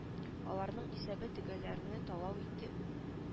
Аларның исәбе тегеләрне талау иде